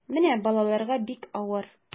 Менә балаларга бик авыр.